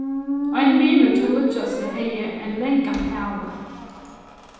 ein vinur hjá líggjasi hevði ein langan hala